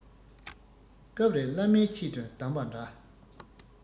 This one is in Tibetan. སྐབས རེར བླ མས ཆེད དུ གདམས པ འདྲ